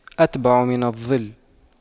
أتبع من الظل